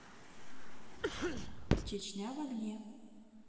чечня в огне